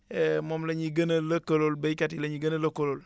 moom la ñuy gën a lëkkalool béykat yi la ñuy gën a lëkkalool